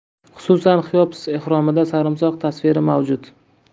xususan xeops ehromida sarimsoq tasviri mavjud